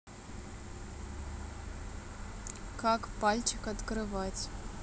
как пальчик открывать